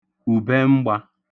ùbẹmgbā